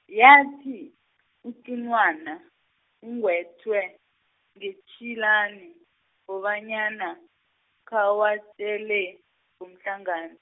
yathi, utunwana, unGethwe, ngetshilani, ngobanyana, khawatjele, ngomhlangan-.